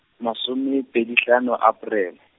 masomepedi hlano, Aparele.